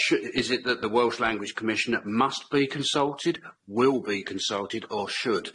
Is it that the Welsh language commissioner must be consulted, will be consulted, or should?